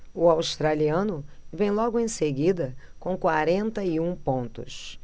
o australiano vem logo em seguida com quarenta e um pontos